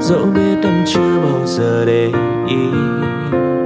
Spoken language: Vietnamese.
dẫu biết em chưa bao giờ để ý